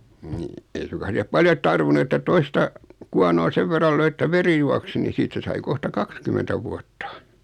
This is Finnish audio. niin ei suinkaan siihen paljon tarvinnut että toista kuonoon sen verran löi että veri juoksi niin siitä sai kohta kaksikymmentä vuotta